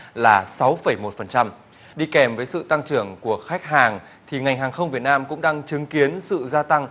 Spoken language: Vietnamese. là sáu phẩy một phần trăm đi kèm với sự tăng trưởng của khách hàng thì ngành hàng không việt nam cũng đang chứng kiến sự gia tăng